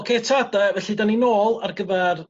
Oce ta 'da... felly 'da ni nôl ar gyfar